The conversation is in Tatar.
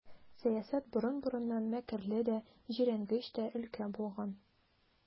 Сәясәт борын-борыннан мәкерле дә, җирәнгеч тә өлкә булган.